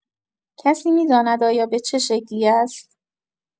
کسی می‌داند آیا به چه شکلی است؟